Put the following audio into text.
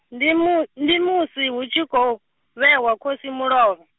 ndi mu-, ndi musi hu tshi khou, vhewa khosi mulovha.